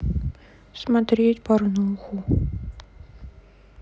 смотреть порнуху